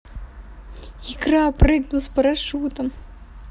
икра прыгну с парашютом